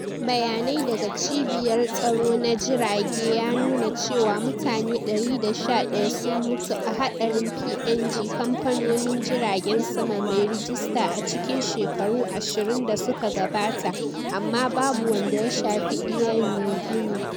Bayanai daga Cibiyar Tsaro na Jirage ya nuna cewa mutane 111 sun mutu a hadarin PNG-kamfanonin jiragen sama mai rajista a cikin shekaru ashirin da suka gabata amma babu wanda ya shafi Air Niugini.